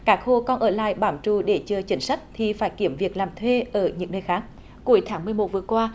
các hộ còn ở lại bám trụ để chờ chính sách thì phải kiếm việc làm thuê ở những nơi khác cuối tháng mười một vừa qua